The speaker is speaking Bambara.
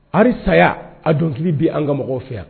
Hali saya, a dɔnkili bɛ an ka mɔgɔw fɛ yan.